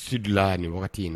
Ci de la nin wagati in na.